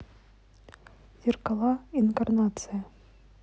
зеркала инкарнация